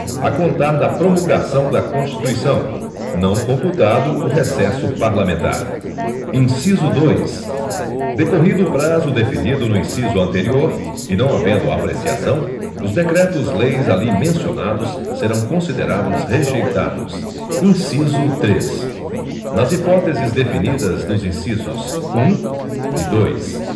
a contar da promulgação da constituição não computado o recesso parlamentar inciso dois decorrido o prazo definido no inciso anterior e não havendo apreciação os decretos leis ali mencionados serão considerados rejeitados inciso três nas hipóteses definidas nos incisos um e dois